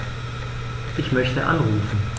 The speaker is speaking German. Ich möchte anrufen.